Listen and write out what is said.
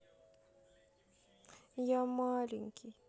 я маленький